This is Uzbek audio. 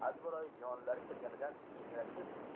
azbaroyi jonlari kirganidan ingrashib